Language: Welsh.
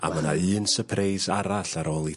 A ma' 'na un sypreis arall ar ôl 'i...